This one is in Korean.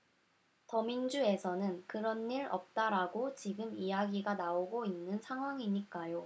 더민주에서는 그런 일 없다라고 지금 이야기가 나오고 있는 상황이니까요